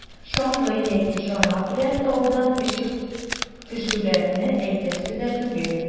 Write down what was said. Чаңгы яки чана белән таудан очып төшүләрне әйтәсе дә түгел.